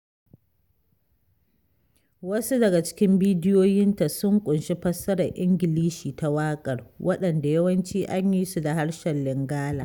Wasu daga cikin bidiyoyinta sun ƙunshi fassarar Ingilishi ta waƙar, waɗanda yawanci an yi su da harshen Lingala.